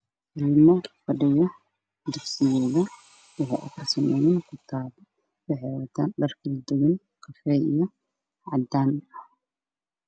Waa niman fadhiya dugsiga waxey aqrisanayan kitaab